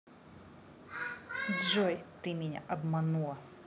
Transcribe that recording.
джой ты меня обманула